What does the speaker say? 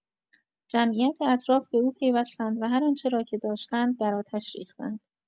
جمعیت اطراف به او پیوستند و هر آنچه را که داشتند، در آتش ریختند.